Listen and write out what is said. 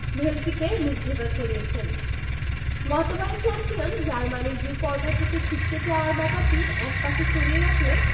ভেলকিতে মুগ্ধতা ছড়িয়েছেন গতবারের চ্যাম্পিয়ন জার্মানির গ্রুপপর্ব থেকে ছিটকে যাওয়ার ব্যাপারটি একপাশে সরিয়ে রাখলে